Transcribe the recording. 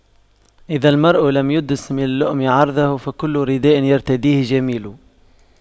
إذا المرء لم يدنس من اللؤم عرضه فكل رداء يرتديه جميل